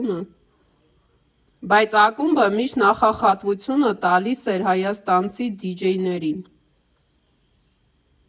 Բայց ակումբը միշտ նախախատվությունը տալիս էր հայաստանցի դիջեյներին։